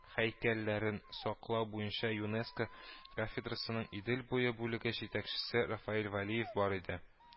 Һәйкәлләрен саклау буенча юнеско кафедрасының идел буе бүлеге җитәкчесе рафаэль вәлиев бар иде